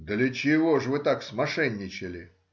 — Для чего же вы так смошенничали?